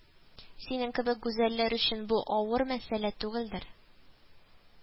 Синең кебек гүзәлләр өчен бу авыр мәсьәлә түгелдер